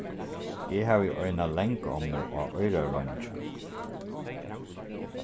eg havi eina langommu á oyrareingjum